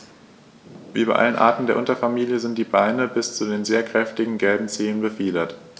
Wie bei allen Arten der Unterfamilie sind die Beine bis zu den sehr kräftigen gelben Zehen befiedert.